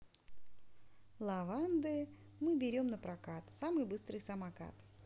lavande мы берем напрокат самый быстрый самокат